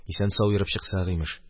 Исән-сау ерып чыксак, имеш.